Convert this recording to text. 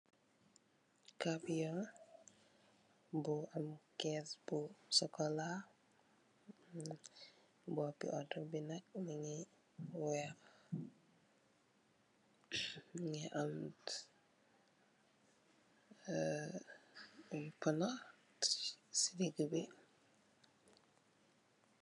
Kameyu bu am kess bu sukola bope otu be nak muge weex muge am ehh aye pono se degebe.